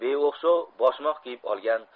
beo'xshov boshmoq kiyib olgan